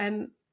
Yym.